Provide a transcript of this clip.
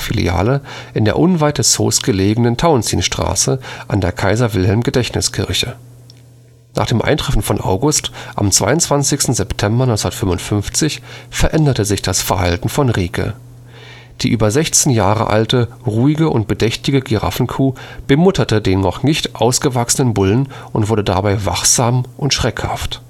DeFaKa-Filiale in der unweit des Zoos gelegenen Tauentzienstraße an der Kaiser-Wilhelm-Gedächtnis-Kirche. Riekes Skelett in der Veterinärmedizinischen Bibliothek der FU Berlin in Düppel Nach dem Eintreffen von August am 22. September 1955 veränderte sich das Verhalten von Rieke. Die über 16 Jahre alte, ruhige und bedächtige Giraffenkuh bemutterte den noch nicht ausgewachsenen Bullen und wurde dabei wachsam und schreckhaft